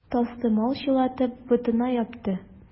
Тастымал чылатып, ботына япты.